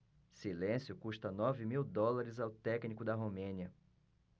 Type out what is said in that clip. silêncio custa nove mil dólares ao técnico da romênia